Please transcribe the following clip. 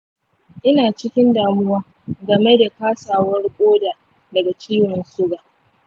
ina cikin damuwa game da kasawar ƙoda daga ciwon suga.